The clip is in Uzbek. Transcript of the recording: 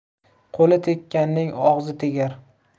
qo'li tekkanning og'zi tegar